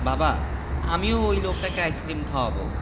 করাতে পারেনি অনেক বক্তৃতা